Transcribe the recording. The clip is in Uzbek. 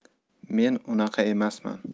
men unaqa emasman